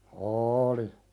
oli